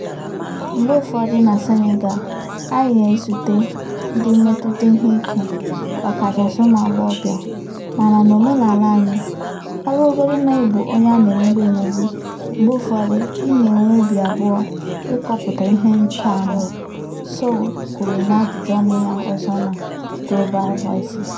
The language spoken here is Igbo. "Mgbe ụfọdụ na Senegal, anyị na-ezute ndị mmetụta ihe ike, ọkachasị ụmụagbọghọbịa, mana n'omenala anyị, ọ bụrụgodị na ị bụ onye a na-emegbu emegbu, mgbe ụfọdụ [ị] na-enwe obi abụọ ịkọpụta ihe ike ahụ," Sow kwuru n'ajụjụọnụ ya ọzọ na Global Voices.